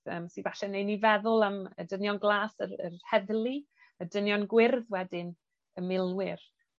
yym sy falle neu' ni feddwl am y dynion glas yr yr heddlu, y dynion gwyrdd wedyn, y milwyr.